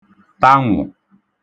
tanwụ̀